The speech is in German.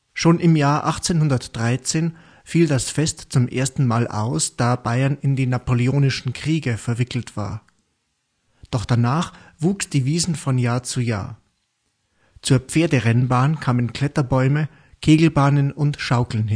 Schon im Jahr 1813 fiel das Fest zum ersten Mal aus, da Bayern in die napoleonischen Kriege verwickelt war. Doch danach wuchs die Wiesn von Jahr zu Jahr. Zur Pferderennbahn kamen Kletterbäume, Kegelbahnen und Schaukeln